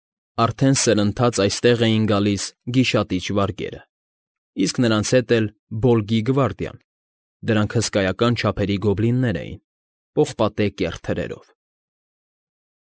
Արդեն սրընթաց այստեղ էին գալիս գիշատիչ վարգերը, իսկ նրանց հետ էլ՝ Բոլգի գվարդիան՝ դրանք հսկայական չափերի գոբլիններ էին՝ պողպատե կեռ թրերով։